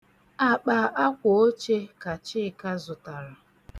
Akpa akwooche ka Chika zụtara.